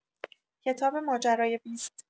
کتاب ماجرای بیست